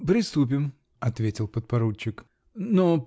-- Приступим, -- ответил подпоручик, -- но.